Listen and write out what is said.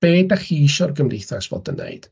Be dach chi isio'r gymdeithas fod yn wneud?